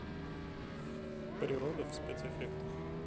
природа в спецэффектах